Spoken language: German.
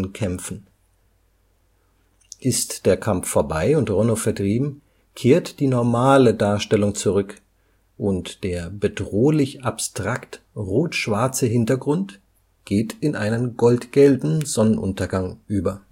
kämpfen. Ist der Kampf vorbei und Ronno vertrieben, kehrt die normale Darstellung zurück, und der bedrohlich abstrakt rot-schwarze Hintergrund geht in einen goldgelben Sonnenuntergang über